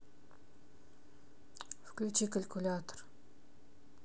включи калькулятор